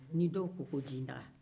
ni dɔw ko ko jidaga